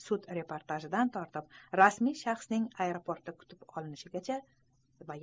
sud reportajidan tortib rasmiy shaxsning aeroportda kutib olinishiga qadarli